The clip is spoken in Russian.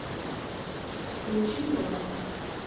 включи йога